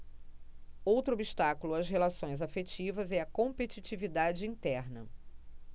outro obstáculo às relações afetivas é a competitividade interna